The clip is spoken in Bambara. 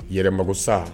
Yɛrɛ mako sa